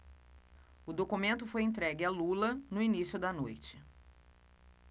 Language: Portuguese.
o documento foi entregue a lula no início da noite